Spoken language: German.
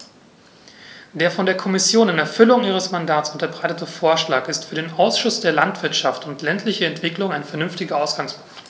Der von der Kommission in Erfüllung ihres Mandats unterbreitete Vorschlag ist für den Ausschuss für Landwirtschaft und ländliche Entwicklung ein vernünftiger Ausgangspunkt.